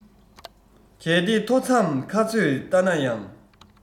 གལ ཏེ མཐོ འཚམས ཁ ཚོད ལྟ ན ཡང